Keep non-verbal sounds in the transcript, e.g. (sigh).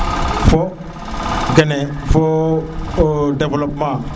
fo kene fo (hesitation) developpement